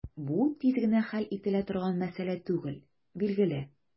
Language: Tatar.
Бу тиз генә хәл ителә торган мәсьәлә түгел, билгеле.